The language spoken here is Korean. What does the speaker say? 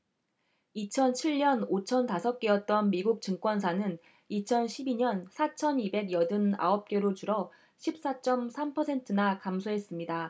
이천 칠 년 오천 다섯 개였던 미국 증권사는 이천 십 이 년 사천 이백 여든 아홉 개로 줄어 십 사 쩜 삼 퍼센트나 감소했습니다